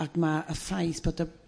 ac ma' y ffaith bod y